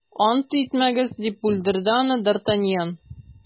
- ант итмәгез, - дип бүлдерде аны д’артаньян.